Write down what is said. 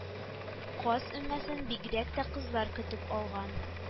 Каз өмәсен бигрәк тә кызлар көтеп алган